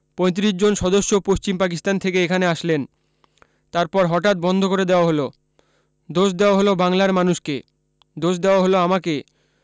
৩৫ জন সদস্য পশ্চিম পাকিস্তান থেকে এখানে আসলেন তারপর হঠাৎ বন্ধ করে দেওয়া হলো দোষ দেওয়া হলো বাংলার মানুষকে দোষ দেওয়া হলো আমাকে